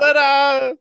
Tara!